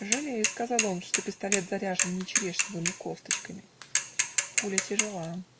"Жалею, -- сказал он, -- что пистолет заряжен не черешневыми косточками. пуля тяжела.